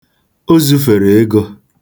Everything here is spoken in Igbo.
O zufere ego.